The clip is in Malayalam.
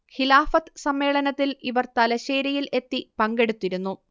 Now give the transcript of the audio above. ഖിലാഫത്ത് സമ്മേളനത്തിൽ ഇവർ തലശ്ശേരിയിൽ എത്തി പങ്കെടുത്തിരുന്നു